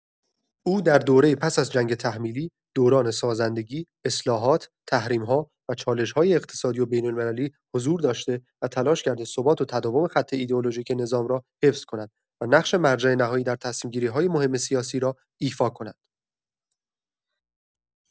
او در دوره پس از جنگ تحمیلی، دوران سازندگی، اصلاحات، تحریم‌ها و چالش‌های اقتصادی و بین‌المللی حضور داشته و تلاش کرده ثبات و تداوم خط ایدئولوژیک نظام را حفظ کند و نقش مرجع نهایی در تصمیم‌گیری‌های مهم سیاسی را ایفا کند.